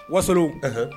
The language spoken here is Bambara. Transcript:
Waso ɛɛh